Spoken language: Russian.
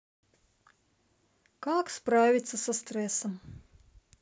как справиться со стрессом